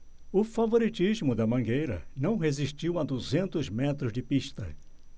o favoritismo da mangueira não resistiu a duzentos metros de pista